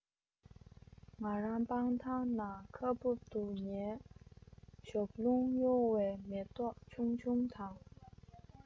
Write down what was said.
ང རང སྤང ཐང ན ཁ སྦུབ ཏུ ཉལ ཞོགས རླུང གཡོ བའི མེ ཏོག ཆུང ཆུང དང